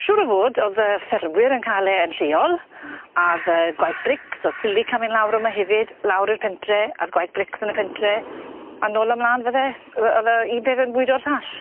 Siŵr o fod o'dd y ffermwyr yn ca'l e yn lleol. Hmm. A o'dd yy gwaith brics o'dd silica myn' lawr yma hefyd lawr i'r pentre a'r gwaith brics yn y pentre a nôl a mlan fydd e. Yy o'dd yy un peth yn bwydo'r llall.